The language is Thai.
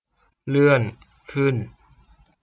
เลื่อนขึ้น